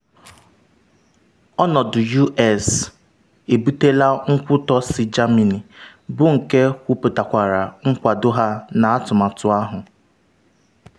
Ọnọdụ US ebutela nkwụtọ si Germany, bụ nke kwuputakwara nkwado ha n’atụmatụ ahụ.